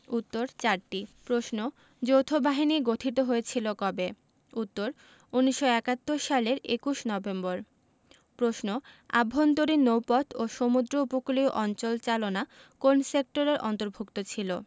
উত্তর চারটি প্রশ্ন যৌথবাহিনী গঠিত হয়েছিল কবে উত্তর ১৯৭১ সালের ২১ নভেম্বর প্রশ্ন আভ্যন্তরীণ নৌপথ ও সমুদ্র উপকূলীয় অঞ্চল চালনা কোন সেক্টরের অন্তভুর্ক্ত ছিল